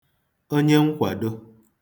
onye nkwàdo